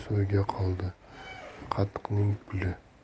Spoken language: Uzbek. suvga qoldi qatiqning puli